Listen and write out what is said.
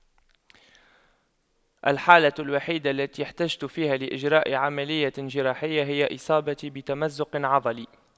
الحالة الوحيدة التي احتجت فيها لإجراء عملية جراحية هي إصابتي بتمزق عضلي